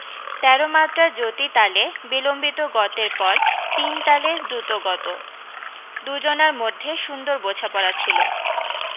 তেরো মাত্রার জ্যোতি তালে বিলম্বিত গতের পর তিন তালে দ্রুত গত দু জনার মধ্যে সুন্দর বোঝাপড়া ছিল